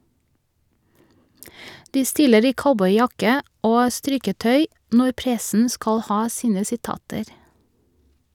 De stiller i cowboyjakke og strikketøy når pressen skal ha sine sitater.